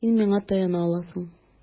Син миңа таяна аласың.